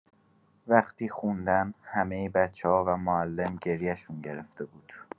وقتی خوندن، همۀ بچه‌ها و معلم گریه‌شون گرفته بود.